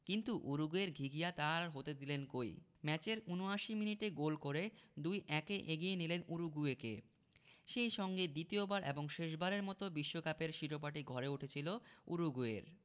কিন্তু উরুগুয়ের ঘিঘিয়া তা আর হতে দিলেন কই ম্যাচের ৭৯ মিনিটে গোল করে ২ ১ এ এগিয়ে নিলেন উরুগুয়েকে সেই সঙ্গে দ্বিতীয়বার এবং শেষবারের মতো বিশ্বকাপের শিরোপাটি ঘরে উঠেছিল উরুগুয়ের